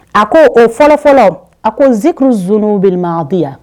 A k'o fɔlɔ fɔlɔ, a ko :